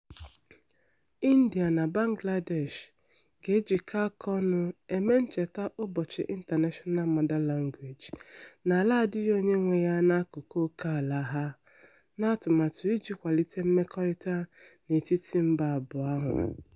India na Bangladesh ga-ejikọ aka ọnụ eme ncheta ụbọchị International Mother Language Day n'ala adịghị onye nwe ya n'akụkụ okè ala ha, n'atụmatụ iji kwalite mmekọrịta n'etiti mba abụọ ahụ.